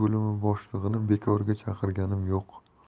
boimi boshlig'ini bekorga chaqirganim yo'q